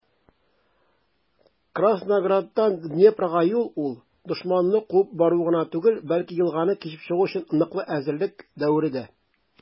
Краснограддан Днепрга юл - ул дошманны куып бару гына түгел, бәлки елганы кичеп чыгу өчен ныклы хәзерлек дәвере дә.